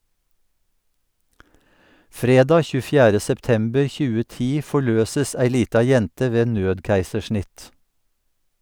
Fredag 24. september 2010 forløses ei lita jente ved nødkeisersnitt.